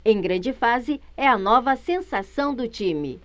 em grande fase é a nova sensação do time